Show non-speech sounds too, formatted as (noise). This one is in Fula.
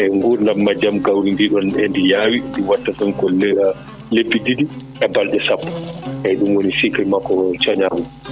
e guurdam majjam gawri ndiɗon edi yawi ndi watta ko li (hesitation) libbi ɗivi e balɗe sappo eyyi ɗum woni cycle makko coñagu